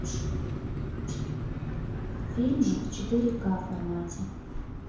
фильмы в четыре к формате